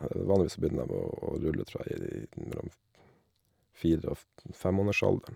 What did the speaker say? Vanligvis så begynner dem å å rulle, tror jeg, i n når dem fire og f femmånedersalderen.